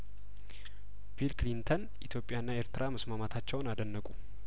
ቢል ክሊንተን ኢትዮጵያና ኤርትራ መስማማታቸውን አደነቁ